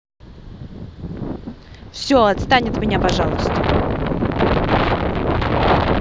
все отстань от меня пожалуйста